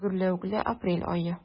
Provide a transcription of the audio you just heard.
Гөрләвекле апрель ае.